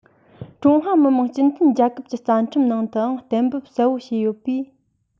ཀྲུང ཧྭ མི དམངས སྤྱི མཐུན རྒྱལ ཁབ ཀྱི རྩ ཁྲིམས ནང དུའང གཏན ཕབ གསལ བོ བྱས ཡོད པས